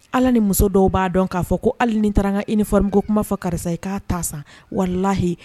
Ala ni muso dɔw b'a dɔn k'a fɔ ko hali ni taararankan i ni fɔrin ko kuma fɔ karisa ye k'a ta san walahi